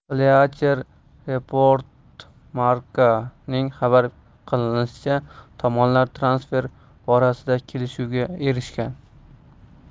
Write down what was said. bleacher reportmarca'ning xabar qilishicha tomonlar transfer borasida kelishuvga erishgan